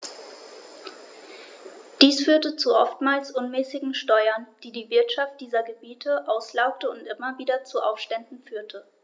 Dies führte zu oftmals unmäßigen Steuern, die die Wirtschaft dieser Gebiete auslaugte und immer wieder zu Aufständen führte.